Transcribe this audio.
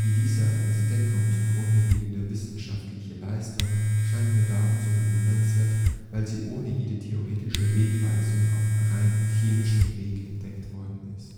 Die dieser Entdeckung zugrunde liegende wissenschaftliche Leistung scheint mir darum so bewundernswert, weil sie ohne jede theoretische Wegweisung auf rein chemischem Weg erreicht worden ist